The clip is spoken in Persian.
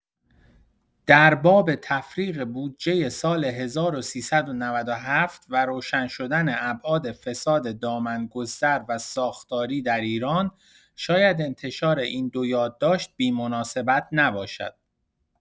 در باب تفریغ بودجه سال ۱۳۹۷ و روشن شدن ابعاد فساد دامن‌گستر و ساختاری در ایران شاید انتشار این دو یادداشت بی‌مناسبت نباشد.